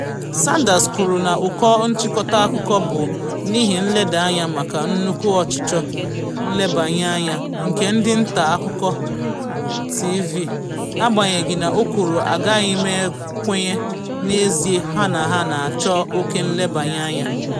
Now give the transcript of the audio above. Sanders kwuru na ụkọ nchịkọta akụkọ bụ n’ihi nleda anya maka “nnukwu ọchụchọ nlebanye anya” nke ndị nta akụkọ TV,” agbanyeghi na o kwuru: “Agaghị m ekwenye n’ezie ha na ha na achọ oke nlebanye anya.”